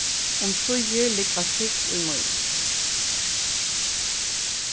umsíðir lúgvast kúgv í mýri